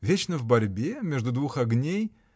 Вечно в борьбе, между двух огней?